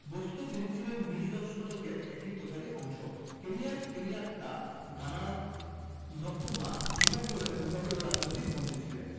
বস্তুত তিনি ছিলেন বিশ শতকের একটি প্রথারই অংশ কেনিয়ার কেনিয়াট্টা ঘানার নক্রুমা জিম্বাবুয়ের মুগাবেও রাজনৈতিক বন্দী ছিলেন